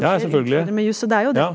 ja ja selvfølgelig ja.